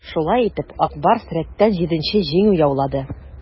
Шулай итеп, "Ак Барс" рәттән җиденче җиңү яулады.